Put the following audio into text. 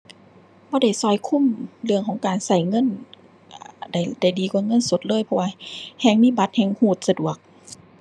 บ่ได้ช่วยคุมเรื่องของการช่วยเงิน อ่า ได้ ได้ดีกว่าเงินสดเลย เพราะว่าแฮ่งมีบัตร แฮ่งช่วยสะดวก